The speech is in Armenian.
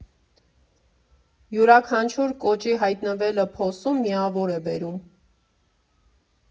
Յուրաքանչյուր կոճի հայտնվելը փոսում միավոր է բերում։